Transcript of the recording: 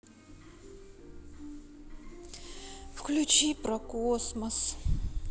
включи про космос